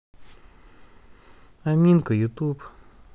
аминка ютуб